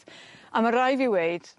a ma' raid fi weud